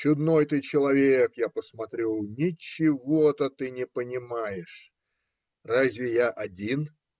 Чудной ты человек, я посмотрю: ничего-то ты не понимаешь. Разве я один.